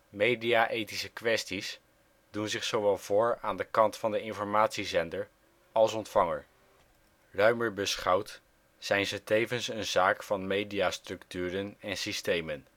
Media-ethische kwesties doen zich zowel voor aan de kant van de informatiezender als - ontvanger. Ruimer beschouwd zijn ze tevens een zaak van media-structuren en - systemen